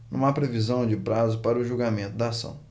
não há previsão de prazo para o julgamento da ação